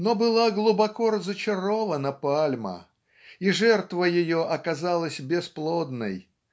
Но была глубоко разочарована пальма, и жертва ее оказалась бесплодной